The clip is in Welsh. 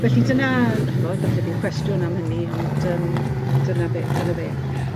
Felly dyna yn chimod falle bydd cwestiwn am hynny, ond yym dyna be dyna fe.